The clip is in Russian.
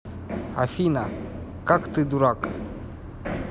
афина как ты дурак